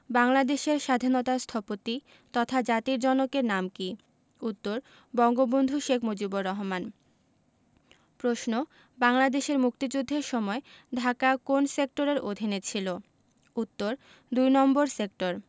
বাংলাদেশের স্বাধীনতার স্থপতি তথা জাতির জনকের নাম কী উত্তর বঙ্গবন্ধু শেখ মুজিবুর রহমান প্রশ্ন বাংলাদেশের মুক্তিযুদ্ধের সময় ঢাকা কোন সেক্টরের অধীনে ছিলো উত্তর দুই নম্বর সেক্টর